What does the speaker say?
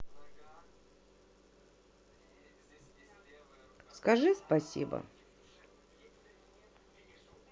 скажи спасибо